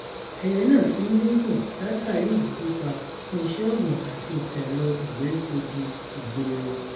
Ẹyẹ náà ti ń dínkù látàrí ìgbẹ́ pípa fún iṣẹ́ ọ̀gbìn àti ìtẹ́lọ ìgbèríko di ìgboro.